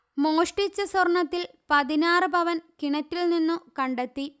മോഷ്ടിച്ച സ്വർണത്തിൽ പതിനാറ് പവൻകിണറ്റിൽ നിന്നു കണ്ടെത്തി